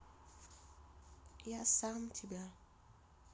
я сам тебя